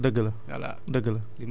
li mën a nekk rek mooy nekk